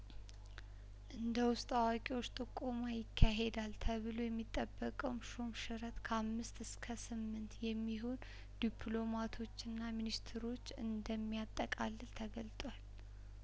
እንደ ውስጥ አዋቂዎች ጥቆማ ይካሄዳል ተብሎ የሚጠበቀውም ሹም ሽረት ከአምስት እስከ ስምንት የሚሆን ዲፕሎማቶችና ሚኒስትሮች እንደሚያጠቃልል ተገልጧል